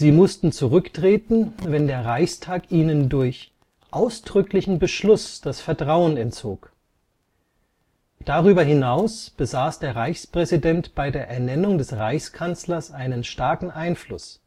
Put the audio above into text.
mussten zurücktreten, wenn der Reichstag ihnen durch „ ausdrücklichen Beschluss das Vertrauen entzog “. Darüber hinaus besaß der Reichspräsident bei der Ernennung des Reichskanzlers einen starken Einfluss